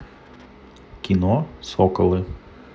кино соколы